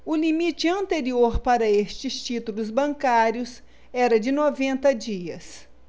o limite anterior para estes títulos bancários era de noventa dias